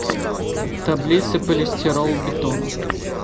таблица полистирол бетона